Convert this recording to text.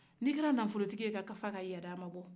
n'i kɛra nafolotigi ye ka kafa ka yaada a ma bɔ